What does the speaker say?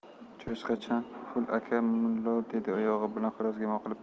cho'cha chan pul aka mullo dedi oyog'i bilan xo'rozga imo qilib